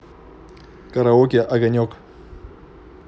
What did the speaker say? караоке огонек